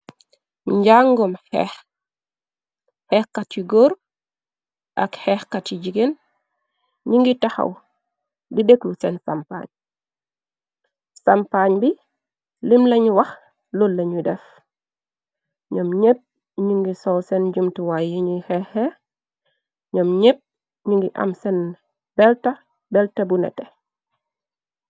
Njàngoom heeh, heehkat yu góor ak heehkat yu jigeen ñi ngi tahaw di dekklu seen sampaañ, sampaañ bi lum leen wah lol lañu def. Ñoom ñépp, ñi ngi sol seen jumtiwaay yi ñuy heehe, ñoom ñepp ñi ngi am seen belta, belta bu nete.